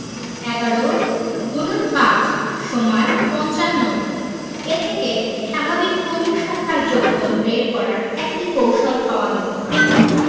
১১*৫=৫৫ এ থেকে স্বাভাবিক ক্রমিক সংখ্যার যোগফল বের করার একটি কৌশল পাওয়া গেল